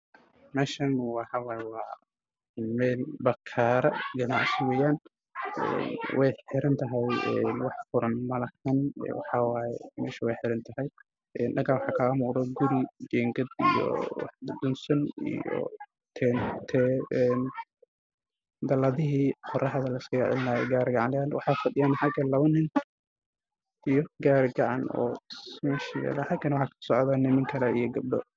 Waxaa ii muuqda guri dabaq ah oo saaran caddaan ah iyo guryo kale